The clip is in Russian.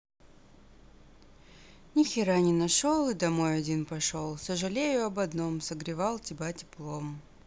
нихера не нашел и домой один пошел сожалею об одном согревал тебя теплом